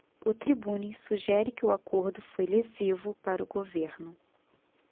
o tribune sugere que o acordo foi lesivo para o governo